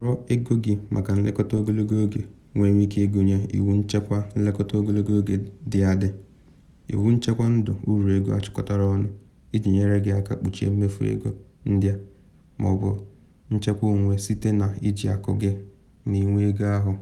Nhọrọ ego gị maka nlekọta ogologo oge nwere ike ịgụnye iwu nchekwa nlekọta ogologo oge dị adị, iwu nchekwa ndụ uru-ego achịkọtara ọnụ iji nyere gị aka kpuchie mmefu ego ndị a ma ọ bụ nchekwa-onwe site na iji akụ nke gị - ma ị nwee ego ahụ.